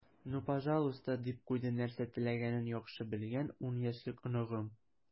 "ну пожалуйста," - дип куйды нәрсә теләгәнен яхшы белгән ун яшьлек оныгым.